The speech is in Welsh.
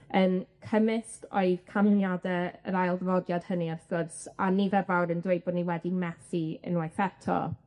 yn cymysg o'i canlyniade yr ail ddyfodiad hynny wrth gwrs, a nifer fawr yn dweud bo' ni wedi methu unwaith eto.